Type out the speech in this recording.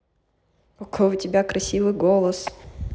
какой у тебя красивый голос